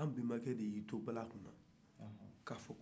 an bɛnbakɛ de ye to bala kun na k'a fɔ